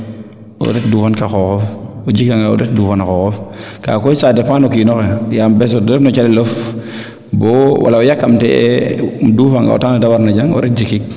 o ret dufan ka xoxof o jika nga o ret dufana xoxof kaaga koy ca depend no kiinoxe yaamyaam bes o door no calelof bo wala o yakamti yee im duufanga o temps le te warna jang im ret jikik